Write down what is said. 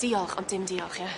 Diolch on' dim diolch ie?